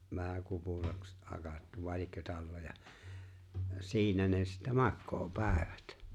vähän kupuraksi hakattu vai liekö talloja siinä ne sitten makaa päivät